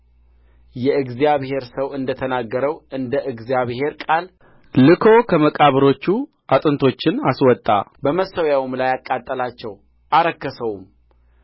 የእግዚአብሔር ሰው እንደ ተናገረው እንደ እግዚአብሔር ቃል ልኮ ከመቃብሮቹ አጥንቶቹን አስወጣ በመሠዊያውም ላይ አቃጠላቸው አረከሰውም